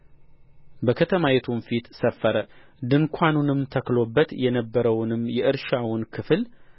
በከተማይቱም ፊት ሰፈረ ድንኳኑን ተክሎበት የነበረውንም የእርሻውን ክፍል